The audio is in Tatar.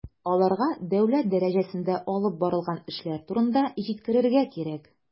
Аларга дәүләт дәрәҗәсендә алып барылган эшләр турында җиткерергә кирәк.